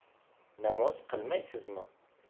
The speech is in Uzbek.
namoz qilmaysizmi